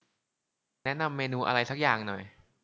แนะนำเมนูอะไรสักอย่างหน่อย